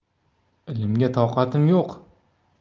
ilmga toqatim yo'q